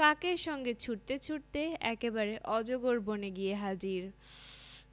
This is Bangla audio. কাকের সঙ্গে ছুটতে ছুটতে একেবারে অজগর বনে গিয়ে হাজির